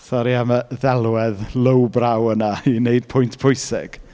Sori am y ddelwedd lowbrow yna i wneud pwynt pwysig.